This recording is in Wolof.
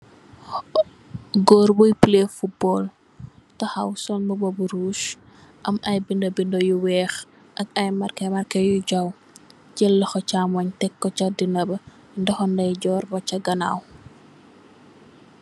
Goor bi play futbal, taxaw sol mbuba bu rus, am ay binde, binde yu weex, ak ay markemarke yu jaw, jal loxo camon bi teko si danna bi, ndayjor bi ca ganaaw.